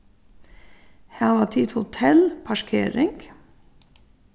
hava tit hotellparkering